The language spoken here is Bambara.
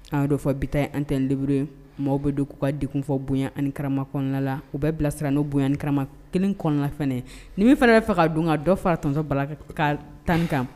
An y'ao fɔ bita an tɛ bur ye maaw bɛ don k'u ka dek fɔ bonya ani karama kɔnɔnala u bɛ bilasira n' bonya karama kelen kɔnɔnafɛn nin min fana bɛ faga ka don kan dɔw fara tɔsɔ bala ka tanni kan